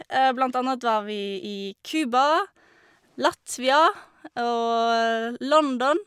Blant annet var vi i Cuba, Latvia, og London.